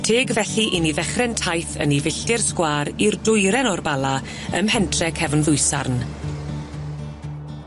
Teg felly i ni ddechre'n taith yn 'i filltir sgwâr i'r dwyren o'r Bala ym mhentre cefn Ddwysarn.